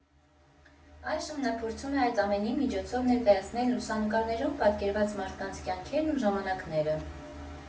Այժմ նա փորձում է այդ ամենի միջոցով ներկայացնել լուսանկարներում պատկերված մարդկանց կյանքերն ու ժամանակները։